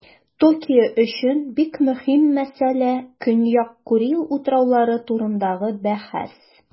Токио өчен бик мөһим мәсьәлә - Көньяк Курил утраулары турындагы бәхәс.